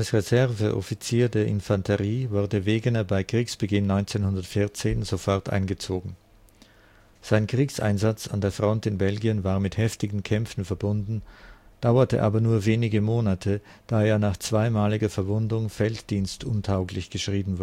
Reserveoffizier der Infanterie wurde Wegener bei Kriegsbeginn 1914 sofort eingezogen. Sein Kriegseinsatz an der Front in Belgien war mit heftigen Kämpfen verbunden, dauerte aber nur wenige Monate, da er nach zweimaliger Verwundung felddienstuntauglich geschrieben